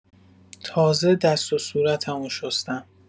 تازه دست و صورتمو شستم.